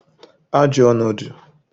ajọ̄ ọ̀nọ̀dụ̀